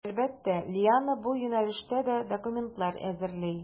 Әлбәттә, Лиана бу юнәлештә дә документлар әзерли.